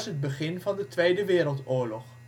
begin van de Tweede Wereldoorlog